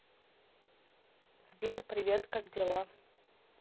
сбер привет как дела